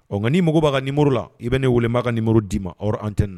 Ɔ ŋa n'i mago b'a ka numéro la i be ne weele n b'a ka numéro d'i ma hors antenne na